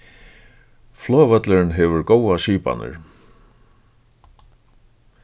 flogvøllurin hevur góðar skipanir